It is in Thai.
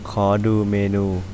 ขอดูเมนู